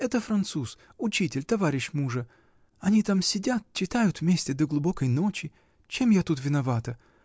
— Это француз, учитель, товарищ мужа: они там сидят, читают вместе до глубокой ночи. Чем я тут виновата?